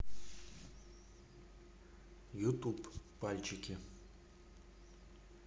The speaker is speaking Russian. ютуб пальчики